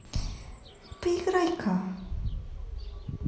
поиграй ка